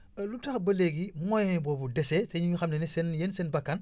lu tax ba léegi moyens boobu dese te ñi nga xam ne ne seen yéen seen bakkan